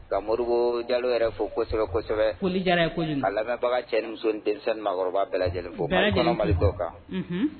Ka modibo Jalo yɛrɛ fo kosɛbɛ kosɛbɛ foli diyar'a kojugu, ka lamɛnbaga cɛ ni muso denmisɛn ni maakɔrɔba bɛɛ lajɛlen fo Mali kɔnɔ Mali kɔkan